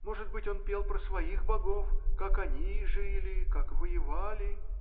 Может быть, он пел про своих богов: как они жили, как воевали.